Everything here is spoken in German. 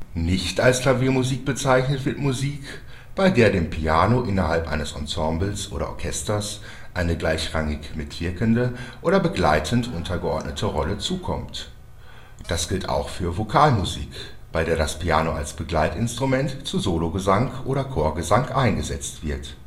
Nicht als Klaviermusik bezeichnet wird Musik, bei der dem Piano innerhalb eines Ensembles oder Orchesters eine gleichrangig mitwirkende oder begleitend untergeordnete Rolle zukommt. Das gilt auch für Vokalmusik, bei der das Piano als Begleitinstrument zu Sologesang oder Chorgesang eingesetzt wird